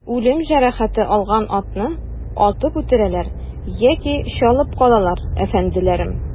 Үлем җәрәхәте алган атны атып үтерәләр яки чалып калалар, әфәнделәрем.